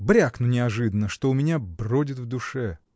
брякну неожиданно, что у меня бродит в душе.